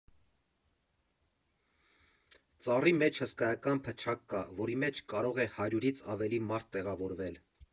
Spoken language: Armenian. Ծառի մեջ հսկայական փչակ կա, որի մեջ կարող է հարյուրից ավելի մարդ տեղավորվել։